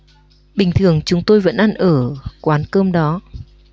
bình thường chúng tôi vẫn ăn ở quán cơm đó